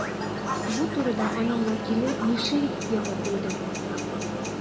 Бу турыда аның вәкиле Мишель Бега белдерде.